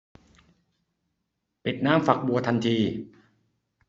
ปิดน้ำฝักบัวทันที